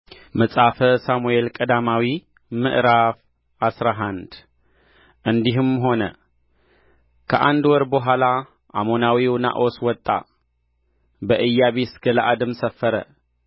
መጽሐፈ ሳሙኤል ቀዳማዊ ምዕራፍ አስራ አንድ እንዲህም ሆነ ከአንድ ወር በኋላ አሞናዊው ናዖስ ወጣ በኢያቢስ ገለዓድም ሰፈረ